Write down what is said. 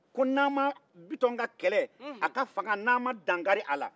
ko n'an ma bitɔn ka kɛlɛ a ka fanga n'an ma dankari a la